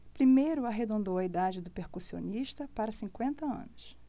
primeiro arredondou a idade do percussionista para cinquenta anos